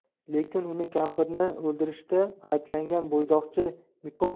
lekin uni kampirni o'ldirishda ayblangan bo'yoqchi